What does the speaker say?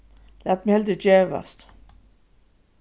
lat meg heldur gevast